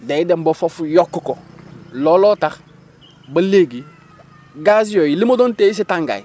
day dem ba foofu yokk kolooloo tax ba léegi gaz yooyu li mu doon téye si tàngaay